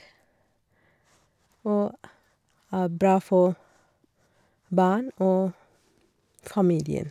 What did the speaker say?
Og er bra for barn og familien.